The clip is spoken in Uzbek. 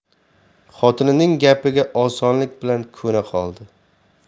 xotinining gapiga osonlik bilan ko'na qoldi